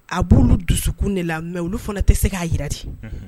A b' olu dusukun de la mɛ olu fana tɛ se k'a jira di